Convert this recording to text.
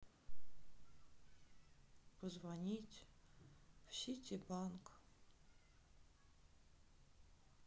позвонить в ситибанк